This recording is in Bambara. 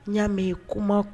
Yaa mɛn kuma